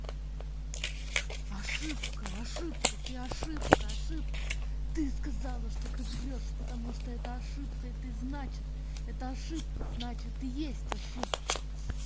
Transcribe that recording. ошибка ошибка ты ошибка ошибка ты сказала что ты врешь потому что это ошибка и ты значит эта ошибка значит и есть ошибка